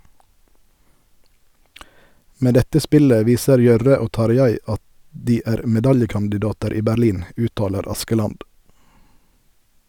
Med dette spillet viser Jørre og Tarjei at de er medaljekandidater i Berlin , uttaler Askeland.